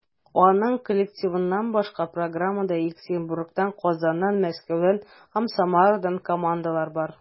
Аның коллективыннан башка, программада Екатеринбургтан, Казаннан, Мәскәүдән һәм Самарадан командалар бар.